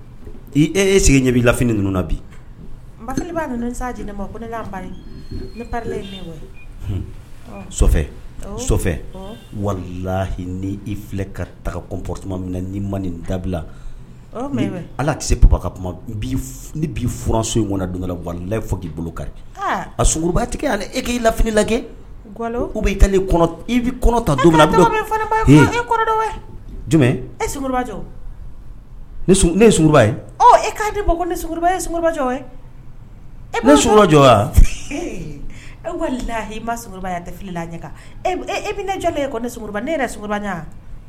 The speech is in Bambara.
E sigi ɲɛ'iini bi ma wali i ka ta ni ma nin da ala seuranso walilai bolo kari aba tigɛ e k' iiini lajɛ i e ne ye e'a di bɔ e jɔ e wali ma ɲɛ e bɛ ne yɛrɛ